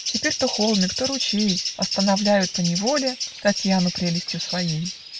Теперь то холмик, то ручей Остановляют поневоле Татьяну прелестью своей.